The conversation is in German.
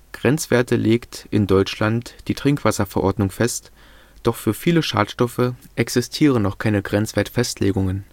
Grenzwerte legt (in Deutschland) die Trinkwasserverordnung fest, doch für viele Schadstoffe existieren noch keine Grenzwertfestlegungen